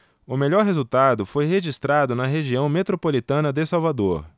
o melhor resultado foi registrado na região metropolitana de salvador